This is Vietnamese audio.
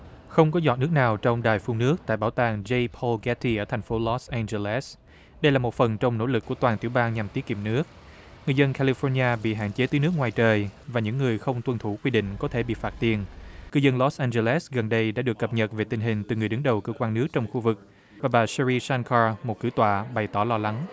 không có giọt nước nào trong đài phun nước tại bảo tàng dây pô ghe ti ở thành phố lót en dơ lét đây là một phần trong nỗ lực của toàn tiểu bang nhằm tiết kiệm nước người dân ca ni phoóc ni a vì hạn chế tưới nước ngoài trời và những người không tuân thủ quy định có thể bị phạt tiền cư dân lót an dơ lét gần đây đã được cập nhật về tình hình từ người đứng đầu cơ quan nước trong khu vực bà sơ ri san ca một cử tọa bày tỏ lo lắng